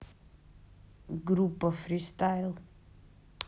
группа фристайл